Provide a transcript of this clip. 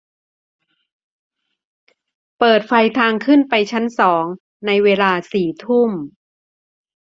เปิดไฟทางขึ้นไปชั้นสองในเวลาสี่ทุ่ม